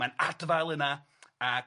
Mae'n adfail yna ac